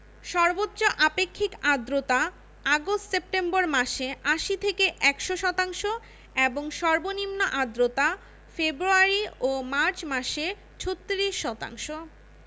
সর্বোচ্চ আপেক্ষিক আর্দ্রতা আগস্ট সেপ্টেম্বর মাসে ৮০ থেকে ১০০ শতাংশ এবং সর্বনিম্ন আর্দ্রতা ফেব্রুয়ারি ও মার্চ মাসে ৩৬ শতাংশ